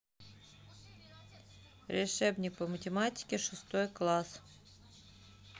решебник по математике шестой класс